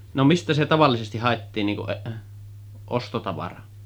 no mistä se tavallisesti haettiin niin kuin ostotavara